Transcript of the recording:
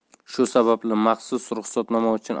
shu sababli mazkur ruxsatnoma uchun